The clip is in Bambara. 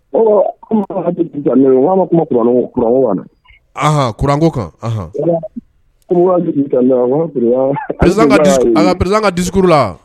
Kuranko kanz ka dikuru la